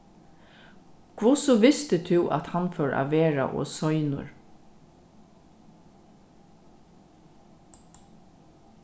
hvussu visti tú at hann fór at verða ov seinur